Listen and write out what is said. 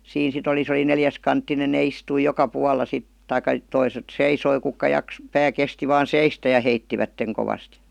siinä sitten oli se oli neliskanttinen ne istui joka puolella sitten tai toiset seisoi ketkä - pää kesti vain seistä ja heittivät kovasti